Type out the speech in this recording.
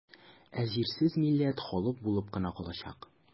Ә җирсез милләт халык булып кына калачак.